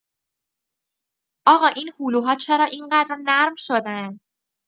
آقا این هلوها چرا این‌قدر نرم شدن؟